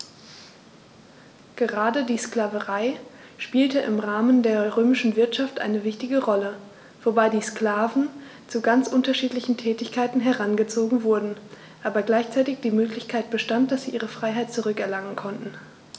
Gerade die Sklaverei spielte im Rahmen der römischen Wirtschaft eine wichtige Rolle, wobei die Sklaven zu ganz unterschiedlichen Tätigkeiten herangezogen wurden, aber gleichzeitig die Möglichkeit bestand, dass sie ihre Freiheit zurück erlangen konnten.